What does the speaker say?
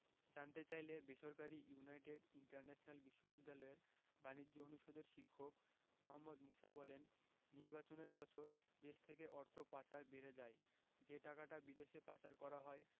জানতে চাইলে বেসরকারি ইউনাইটেড ইন্টারন্যাশনাল বিশ্ববিদ্যালয়ের বাণিজ্য অনুষদের শিক্ষক মোহাম্মদ মুসা বলেন নির্বাচনের বছরে দেশ থেকে অর্থ পাচার বেড়ে যায় যে টাকাটা বিদেশে পাচার করা হয়